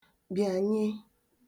-bìànye